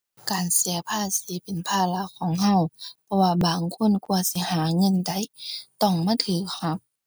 การเสียภาษีเป็นภาระของเรา เพราะว่าบางคนกว่าสิหาเงินได้ต้องมาเราหัก